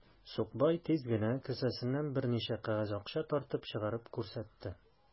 Сукбай тиз генә кесәсеннән берничә кәгазь акча тартып чыгарып күрсәтте.